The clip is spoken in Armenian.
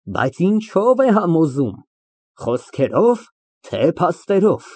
Բայց ինչո՞վ է համոզում, խոսքերո՞վ, թե փաստերով։